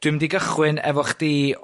dwi'n mynd i gychwyn efo chdi